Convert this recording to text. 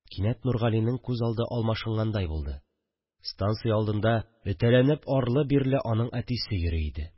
Кинәт Нургалинең күз алды алмашынгандай булды: станция алдында өтәләнеп арлы-бирле аның әтисе йөри иде